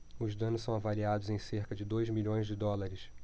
os danos são avaliados em cerca de dois milhões de dólares